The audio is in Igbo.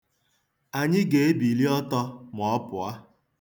Anyị ga-ebili ọtọ ma ọ pụọ.